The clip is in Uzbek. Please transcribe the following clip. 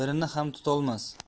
birini ham tutolmas